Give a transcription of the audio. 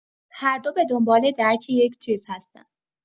هر دو به دنبال درک یک چیز هستند